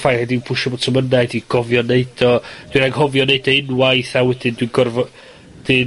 yw pwsio bwtmw yna 'id i gofio neud o, dwi anghofio neud e unwaith, a wedyn dwi gorfo dim...